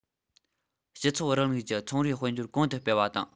སྤྱི ཚོགས རིང ལུགས ཀྱི ཚོང རའི དཔལ འབྱོར གོང དུ སྤེལ བ དང